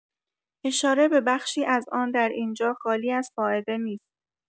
اشاره به بخشی از آن در اینجا خالی از فائده نیست.